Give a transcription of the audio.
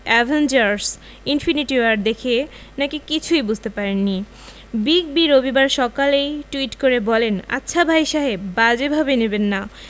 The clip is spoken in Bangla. অ্যাভেঞ্জার্স ইনফিনিটি ওয়ার দেখে নাকি কিছুই বুঝতে পারেননি বিগ বি রবিবার সকালেই টুইট করে বলেন আচ্ছা ভাই সাহেব বাজে ভাবে নেবেন না